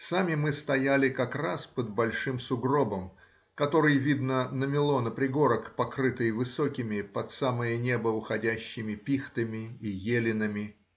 Сами мы стояли как раз под большим сугробом, который, видно, намело на пригорок, покрытый высокими, под самое небо уходящими пихтами и елинами.